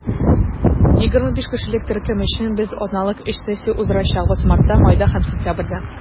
25 кешелек төркем өчен без атналык өч сессия уздырачакбыз - мартта, майда һәм сентябрьдә.